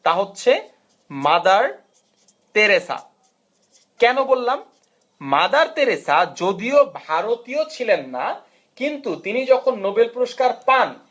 তা হচ্ছে Mother Teresa কেন বললাম মাদার তেরেসা যদিও ভারতীয় ছিলেন না কিন্তু তিনি যখন নোবেল পুরস্কার পান